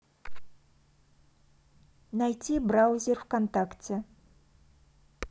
найти браузер вконтакте